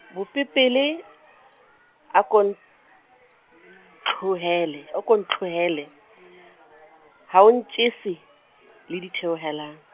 bopepele, a ko ntlohele, o ko ntlohele, ha o ntjese, le ditheohelang.